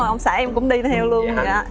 dạ ông xã em cũng đi theo luôn dạ